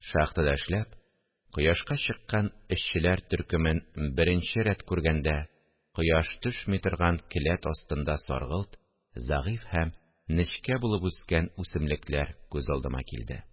Шахтада эшләп, кояшка чыккан эшчеләр төркемен беренче рәт күргәндә кояш төшми торган келәт астында саргылт, зәгыйфь һәм нечкә булып үскән үсемлекләр күз алдыма килде